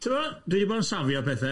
Ti'bod, dwi 'di bod yn safio pethau.